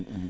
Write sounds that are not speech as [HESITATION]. [HESITATION] [HESITATION]